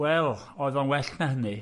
Wel, oedd o'n well na hynny.